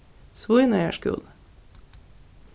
svínoyar skúli